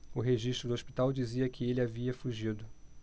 o registro do hospital dizia que ele havia fugido